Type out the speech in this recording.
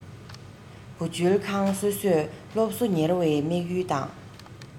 བུ བཅོལ ཁང སོ སོས སློབ གསོ གཉེར བའི དམིགས ཡུལ དང